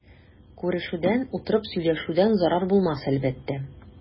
Күрешүдән, утырып сөйләшүдән зарар булмас әлбәттә.